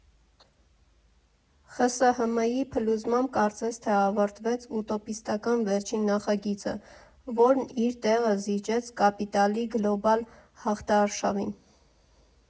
ԽՍՀՄ֊ի փլուզմամբ կարծես թե ավարտվեց ուտոպիստական վերջին նախագիծը, որն իր տեղը զիջեց կապիտալի գլոբալ հաղթարշավին։